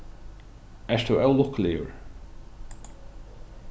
ert tú ólukkuligur